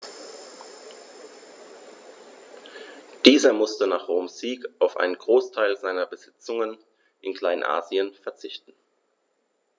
Dieser musste nach Roms Sieg auf einen Großteil seiner Besitzungen in Kleinasien verzichten.